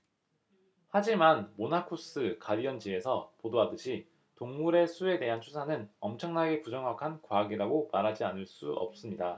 하지만 모나쿠스 가디언 지에서 보도하듯이 동물의 수에 대한 추산은 엄청나게 부정확한 과학이라고 말하지 않을 수 없습니다